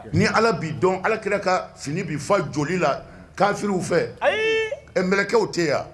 Ni ala b'i dɔn ala kɛra ka fini bi fa joli la kananfiriw fɛ nbkɛlaww tɛ yan